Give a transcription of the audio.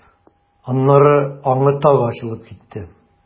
Аннары аңы тагы ачылып китте.